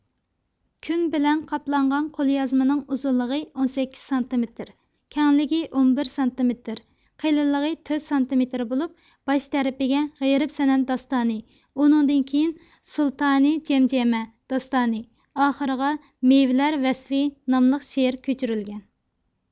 كۈن بىلەن قاپلانغان قوليازمىنىڭ ئۇزۇنلۇقى ئون سەككىز سانتىمېتىر كەڭلىكى ئون بىر سانتىمېتىر قېلىنلىقى تۆت سانتىمېتىر بولۇپ باش تەرىپىگە غېرىب سەنەم داستانى ئۇنىڭدىن كېيىن سۇلتانى جەمجەمە داستانى ئاخىرىغا مېۋىلەر ۋەسفى ناملىق شېئىر كۆچۈرۈلگەن